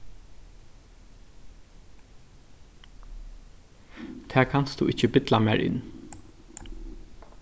tað kanst tú ikki billa mær inn